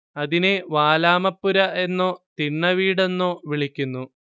അതിനെ വാലാമപ്പുര എന്നോ തിണ്ണവീടെന്നോ വിളിക്കുന്നു